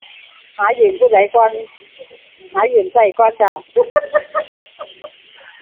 หายืมผู้ใดก่อน หายืมใช้ก่อนจ้า